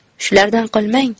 shulardan qolmang